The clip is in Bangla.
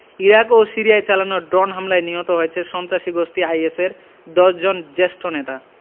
ইরাক ও সিরিয়ায় চালানো ড্রোন হামলায় নিহত হয়েছে সন্ত্রাসী গোষ্ঠী আইএসের ১০ জন জ্যেষ্ঠ নেতা